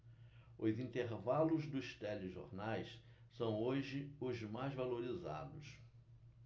os intervalos dos telejornais são hoje os mais valorizados